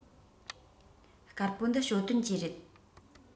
དཀར པོ འདི ཞའོ ཏོན གྱི རེད